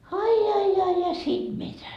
ai ai ai siinä mitä